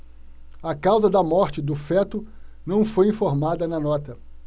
a causa da morte do feto não foi informada na nota